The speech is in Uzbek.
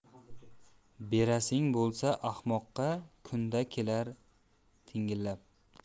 berasing bo'lsa ahmoqqa kunda kelar tingillab